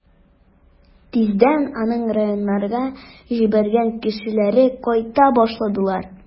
Тиздән аның районнарга җибәргән кешеләре кайта башладылар.